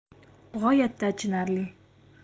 g'oyatda achinarli